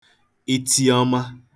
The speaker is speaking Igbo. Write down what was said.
itsiọma